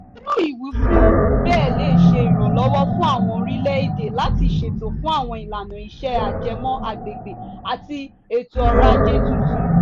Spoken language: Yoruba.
Irú ìwífún bẹ́ẹ̀ lè ṣe ìrànlọ́wọ́ fún àwọn orílẹ̀-èdè láti ṣètò fún àwọn ìlànà-ìṣe ajẹmọ́-agbègbè àti ètò ọrọ̀-ajé tuntun.